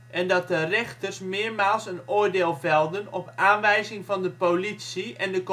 en dat de rechters meermaals een oordeel velden op aanwijzing van de politie en de communistische